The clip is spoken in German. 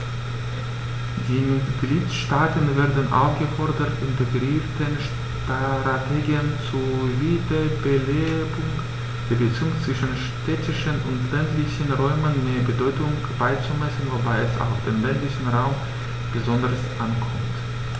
Die Mitgliedstaaten werden aufgefordert, integrierten Strategien zur Wiederbelebung der Beziehungen zwischen städtischen und ländlichen Räumen mehr Bedeutung beizumessen, wobei es auf den ländlichen Raum besonders ankommt.